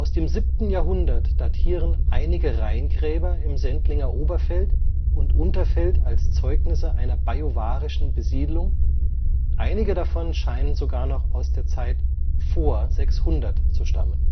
dem 7. Jahrhundert datieren einige Reihengräber im Sendlinger Oberfeld und Unterfeld als Zeugnisse einer bajuwarischen Besiedlung, einige davon scheinen sogar noch aus der Zeit vor 600 zu stammen